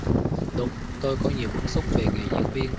đúng tôi có nhiều bức xúc về nghề diễn viên